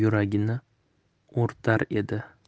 yuragini o'rtar edi